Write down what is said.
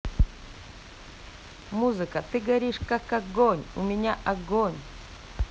музыка ты горишь как огонь у меня агонь